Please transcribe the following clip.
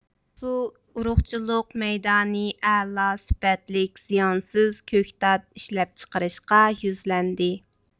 ئاقسۇ ئۇرۇقچىلىق مەيدانى ئەلا سۈپەتلىك زىيانسىز كۆكتات ئىشلەپچىقىرىشقا يۈزلەندى